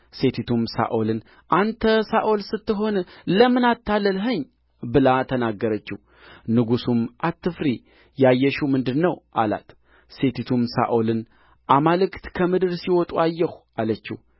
ሴቲቱም ሳሙኤልን ባየች ጊዜ በታላቅ ድምፅ ጮኸች ሴቲቱም ሳኦልን አንተ ሳኦል ስትሆን ለምን አታለልኸኝ ብላ ተናገረችው ንጉሡም አትፍሪ ያየሽው ምንድር ነው አላት ሴቲቱም ሳኦልን አማልክት ከምድር ሲወጡ አየሁ አለችው